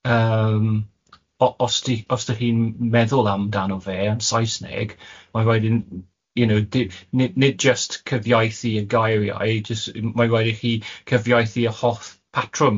Yym o- os ti os dych chi'n meddwl amdano fe yn Saesneg, mae'n rhaid i n- you know di- nid nid jyst cyfiaethu y gairiau, jyst mae'n rhaid i chi cyfiaethu y holl patrwm.